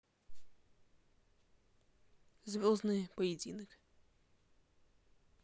звездный поединок